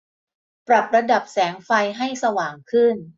ปรับระดับแสงไฟให้สว่างขึ้น